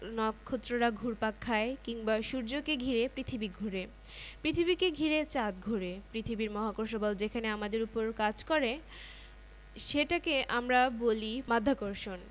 গ্রিসের দার্শনিক ডেমোক্রিটাস প্রথম বলেছিলেন প্রত্যেক পদার্থের একক আছে যা অতি ক্ষুদ্র আর অবিভাজ্য তিনি এর নাম দেন এটম